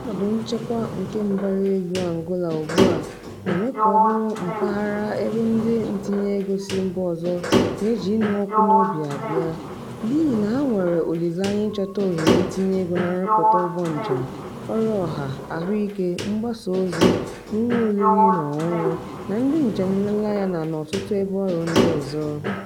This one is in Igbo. Ọnọdụ nchekwa nke mbaraelu Angola ugbua na-eme ka ọ bụrụ mpaghara ebe ndị ntinyeego si mba ọzọ na-eji ịnụ ọkụ n'obi abịa, n'ihi na ha nwere olileanya ịchọta ohere ntinyeego na nrụpụta, ụgbọnjem, ọrụ ọha, ahụike, mgbasaozi, n'ụlọoriri na ọṅụṅụ na ndị njem nlereanya na n'ọtụtụ ebe ọrụ ndị ọzọ.”